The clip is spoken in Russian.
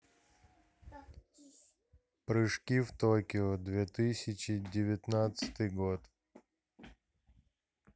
прыжки в токио две тысячи девятнадцатый год